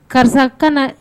Karisa ka